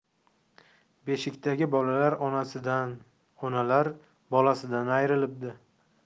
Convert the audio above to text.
beshikdagi bolalar onasidan onalar bolasidan ayrilibdi